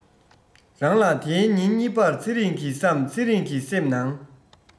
རང ལ དེའི ཉིན གཉིས པར ཚེ རིང གི བསམ ཚེ རང གི སེམས ནང